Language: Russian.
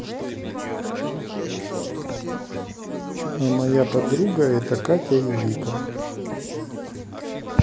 а моя подруга это катя и вика